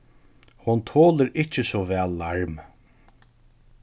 hon tolir ikki so væl larm